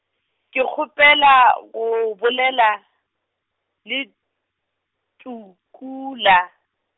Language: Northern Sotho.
ke kgopela go bolela, le, Tukela.